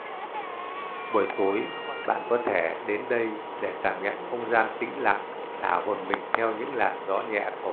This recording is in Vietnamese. buổi tối bạn có thể tới đây để cảm nhận không gian tĩnh lặng thả hồn mình theo những làn gió nhẹ thổi